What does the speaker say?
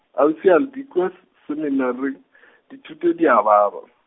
Ausi Albi ko s- seminari , dithuto di a baba.